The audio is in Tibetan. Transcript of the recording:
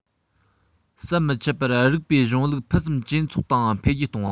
ཟམ མི འཆད པར རིགས པའི གཞུང ལུགས ཕུན སུམ ཇེ ཚོགས དང འཕེལ རྒྱས བཏང བ